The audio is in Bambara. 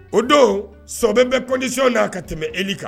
O don Sɔɔbɛ bɛ condition na ka tɛmɛ Ely kan